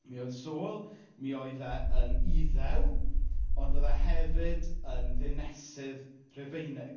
Mi oedd Saul mi oedd e yn Iddew, ond oedd e hefyd yn ddinesydd Rufeinig.